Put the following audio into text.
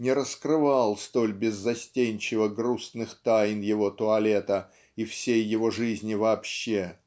не раскрывал столь беззастенчиво грустных тайн его туалета и всей его жизни вообще